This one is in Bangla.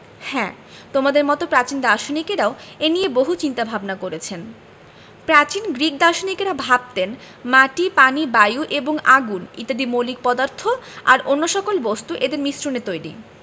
হ্যাঁ তোমাদের মতো প্রাচীন দার্শনিকেরাও এ নিয়ে বহু চিন্তা ভাবনা করেছেন প্রাচীন গ্রিক দার্শনিকেরা ভাবতেন মাটি পানি বায়ু এবং আগুন ইত্যাদি মৌলিক পদার্থ আর অন্য সকল বস্তু এদের মিশ্রণে তৈরি